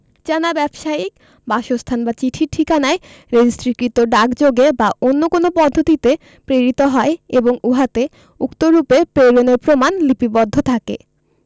জানা ব্যবসায়িক বাসস্থান বা চিঠির ঠিকানায় রেজিষ্ট্রিকৃত ডাকযোগে বা অন্য কোন পদ্ধতিতে প্রেরিত হয় এবং উহাতে উক্তরূপে প্রেরণের প্রমাণ লিপিবদ্ধ থাকে